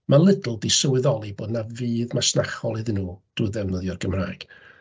Mae Lidl 'di sylweddoli bod 'na fudd masnachol iddyn nhw drwy ddefnyddio'r Gymraeg.